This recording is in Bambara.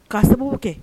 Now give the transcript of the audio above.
K'a sababu kɛ